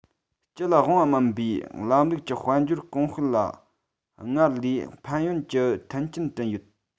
སྤྱི ལ དབང བ མིན པའི ལམ ལུགས ཀྱི དཔལ འབྱོར གོང སྤེལ ལ སྔར ལས ཕན ཡོད ཀྱི མཐུན རྐྱེན བསྐྲུན ཐུབ